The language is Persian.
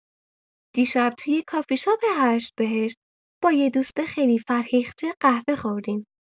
دیشب توی کافی‌شاپ هشت‌بهشت با یه دوست خیلی فرهیخته قهوه خوردیم.